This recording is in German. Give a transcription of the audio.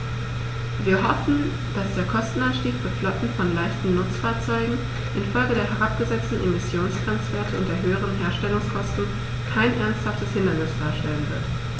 Wir hoffen, dass der Kostenanstieg für Flotten von leichten Nutzfahrzeugen in Folge der herabgesetzten Emissionsgrenzwerte und der höheren Herstellungskosten kein ernsthaftes Hindernis darstellen wird.